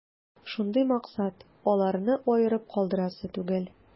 Шундый максат: аларны аерып калдырасы түгел.